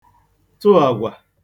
tụ àgwà